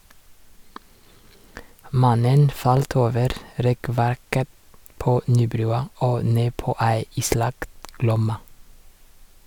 Mannen falt over rekkverket på Nybrua og ned på ei islagt Glomma.